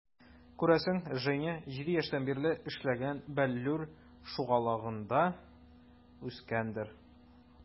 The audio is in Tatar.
Күрәсең, Женя 7 яшьтән бирле эшләгән "Бәллүр" шугалагында үскәндер.